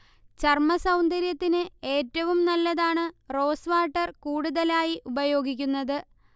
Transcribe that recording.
ചർമ്മ സൗന്ദര്യത്തിന് ഏറ്റവും നല്ലതാണ് റോസ് വാട്ടർ കൂടുതലായി ഉപയോഗിക്കുന്നത്